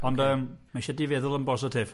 Ond yym, ma' isie di feddwl yn bositif.